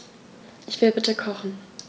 Ich will bitte kochen.